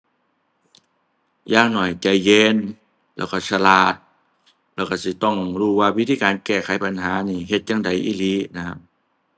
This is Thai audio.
อย่างน้อยใจเย็นแล้วก็ฉลาด แล้วก็สิต้องรู้ว่าวิธีการแก้ไขปัญหานี่ เฮ็ดจั่งใดอีหลีนะครับ